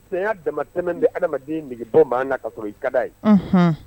Sayaya damatɛ bɛ adamadenge don ma na ka sɔrɔ i kada ye